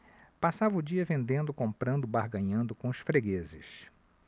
passava o dia vendendo comprando barganhando com os fregueses